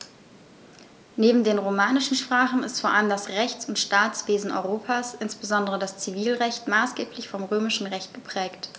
Neben den romanischen Sprachen ist vor allem das Rechts- und Staatswesen Europas, insbesondere das Zivilrecht, maßgeblich vom Römischen Recht geprägt.